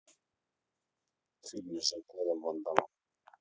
фильмы с жан клод ван дамом